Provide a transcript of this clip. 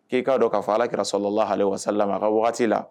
K'i k'a dɔn k'a fɔ alakira a ka waati la